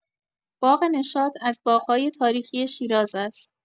باغ نشاط از باغ‌های تاریخی شیراز است.